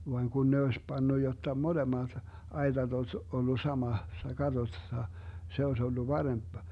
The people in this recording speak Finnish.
vaan kun ne olisi pannut jotta molemmat aitat olisi ollut samassa katossa se olisi ollut parempi